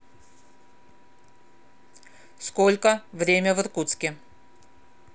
сколько время в иркутске